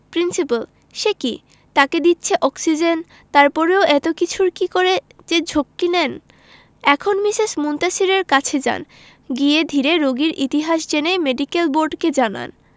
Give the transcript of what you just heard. principal সে কি তাকে দিচ্ছে অক্সিজেন তারপরেও এত কিছুর কি করে যে ঝক্কি নেন এখন মিসেস মুনতাসীরের কাছে যান গিয়ে ধীরে রোগীর ইতিহাস জেনে মেডিকেল বোর্ডকে জানান